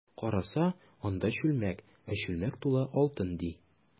Караса, анда— чүлмәк, ә чүлмәк тулы алтын, ди.